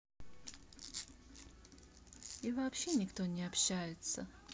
и вообще никто не общается